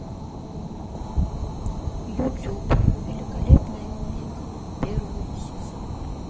ютюб великолепный век первый сезон